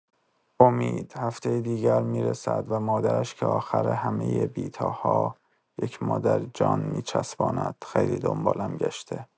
امید، هفتۀ دیگر می‌رسد و مادرش که آخر همۀ بی‌تاها یک مادر جان می‌چسباند، خیلی دنبالم گشته.